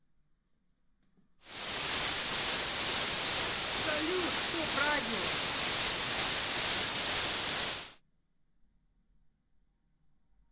салют стоп радио